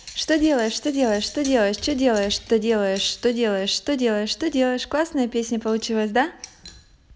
что делаешь что делаешь что делаешь че делаешь то делаешь что делаешь что делаешь что делаешь классная песня получилась да